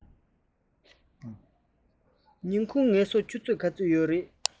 ཉིན གུང ངལ གསོ ཆུ ཚོད ག ཚོད ཡོད རས